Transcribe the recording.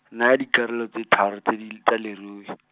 naya dikarolo tse tharo tse di l-, tsa lerui.